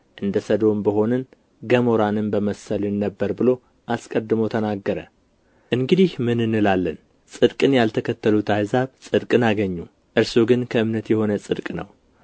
እንደ ሰዶም በሆንን ገሞራንም በመሰልን ነበር ብሎ አስቀድሞ ተናገረ እንግዲህ ምን እንላለን ጽድቅን ያልተከተሉት አሕዛብ ጽድቅን አገኙ እርሱ ግን ከእምነት የሆነ ጽድቅ ነው